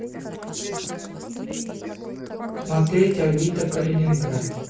смотреть авито калининград